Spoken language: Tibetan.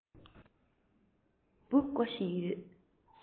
འབུ རྐོ བཞིན ཡོད